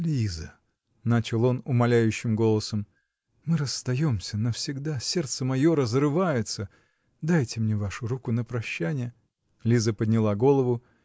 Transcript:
-- Лиза, -- начал он умоляющим голосом, -- мы расстаемся навсегда, сердце мое разрывается, -- дайте мне вашу руку на прощание. Лиза подняла голову.